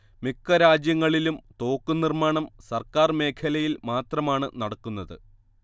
മിക്ക രാജ്യങ്ങളിലും തോക്കുനിർമ്മാണം സർക്കാർ മേഖലയിൽ മാത്രമാണ് നടക്കുന്നത്